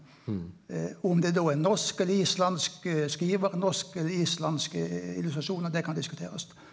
om det då er norsk eller islandsk skrivaren er norsk eller islandsk illustrasjonar det kan diskuterast.